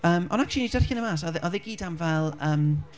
Yym ond actually o'n i'n darllen o mas a oedd e, oedd e gyd am fel, yym...